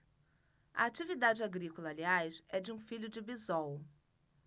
a atividade agrícola aliás é de um filho de bisol